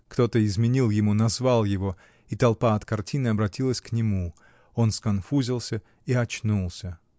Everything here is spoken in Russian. Кто-то изменил ему, назвал его, и толпа от картины обратилась к нему. Он сконфузился и очнулся.